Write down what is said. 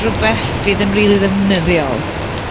rwbeth fydd yn rili ddefnyddiol?